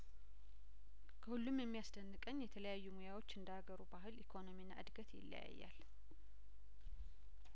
ከሁሉም የሚያስደንቀኝ የተለያዩ ሙያዎች እንደሀገሩ ባህል ኢኮኖሚና እድገት ይለያያል